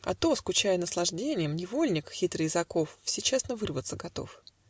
А то, скучая наслажденьем, Невольник хитрый из оков Всечасно вырваться готов.